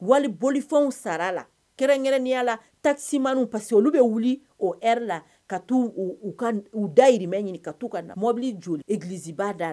Wali boliolifɛnw sara la kɛrɛnkɛrɛn niya la takisimani parce que olu bɛ wuli oɛ la ka u dayirimɛ ɲini ka' u ka mɔbili joliiliibaa da la